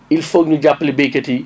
il foog ñu jàppale béykat yi